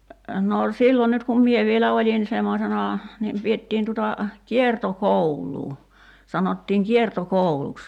no silloin nyt kun minä vielä olin semmoisena niin pidettiin tuota kiertokoulua sanottiin kiertokouluksi